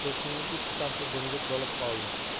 keyin ko'shkning ich tashi jimjit bo'lib qoldi